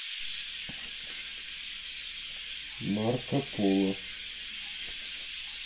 марко поло